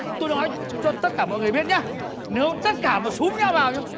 tôi nói cho tất cả mọi người biết nhá nếu tất cả mà xúm nhau vào